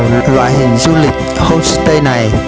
loại hình du lịch homestay này